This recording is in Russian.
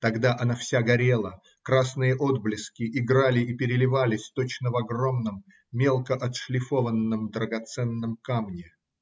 Тогда она вся горела, красные отблески играли и переливались, точно в огромном, мелко отшлифованном драгоценном камне.